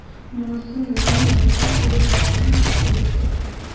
Монысын безнең янга килеп җиткән Фәрит әйтте.